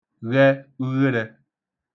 ghe ugherē